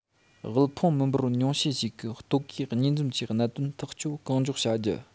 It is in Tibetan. དབུལ ཕོངས མི འབོར ཉུང ཤས ཤིག གི ལྟོ གོས གཉིས འཛོམས ཀྱི གནད དོན ཐག གཅོད གང མགྱོགས བྱ རྒྱུ